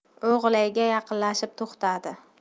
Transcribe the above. u g'ilayga yaqinlashib to'xtadi